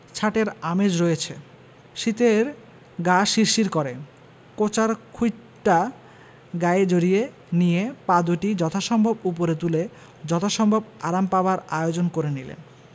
ছাঁটের আমেজ রয়েছে শীতের গা শিরশির করে কোঁচার খুঁটটা গায়ে জড়িয়ে নিয়ে পা দুটি যথাসম্ভব উপরে তুলে যথাসম্ভব আরাম পাবার আয়োজন করে নিলেন